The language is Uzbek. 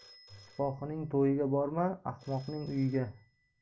sipohining to'yiga borma ahmoqning uyiga